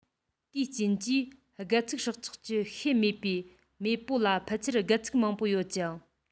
དེའི རྐྱེན གྱིས སྒལ ཚིགས སྲོག ཆགས ཀྱི ཤེས མེད པའི མེས པོ ལ ཕལ ཆེར སྒལ ཚིགས མང པོ ཡོད ཅིང